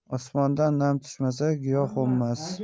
osmondan nam tushmasa giyoh unmas